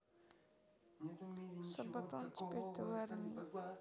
сабатон теперь ты в армии